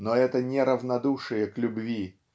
но это не равнодушие к любви